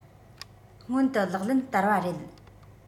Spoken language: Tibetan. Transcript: སྔོན དུ ལག ལེན བསྟར བ རེད